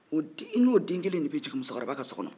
i n'o den kelen de bɛ jigin musokɔrɔba ka sokɔnɔ